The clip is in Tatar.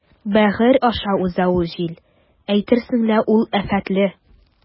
Бәгырь аша уза ул җил, әйтерсең лә ул афәтле.